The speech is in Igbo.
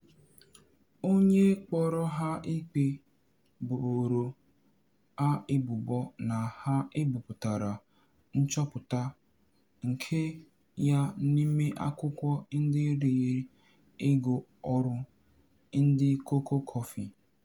Onye kpọrọ ha ikpe boro ha ebubo na ha ebiputara nchọpụta nke ya n'ime akwụkwọ ndị riri ego ọrụ ndị cocoa-coffee.